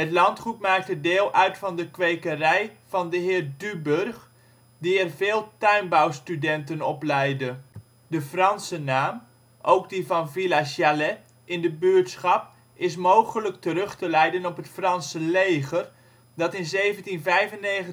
landgoed maakte deel uit van de kwekerij van dhr. Duburg, die er veel tuinbouwstudenten opleidde. De Franse naam - ook die van villa " Galette " in de buurtschap - is mogelijk terug te leiden op het Franse leger, dat in 1795 en 1796